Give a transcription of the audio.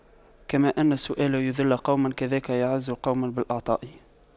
كما أن السؤال يُذِلُّ قوما كذاك يعز قوم بالعطاء